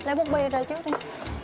lấy bút bi ra trước đi